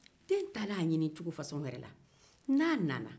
den taalen a ɲini cogo fasɔn wɛrɛ la n'a nana